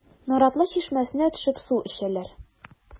Наратлы чишмәсенә төшеп су эчәләр.